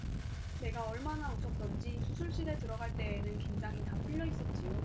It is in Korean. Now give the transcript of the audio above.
내가 얼마나 웃었던지 수술실에 들어갈 때에는 긴장이 다 풀려 있었지요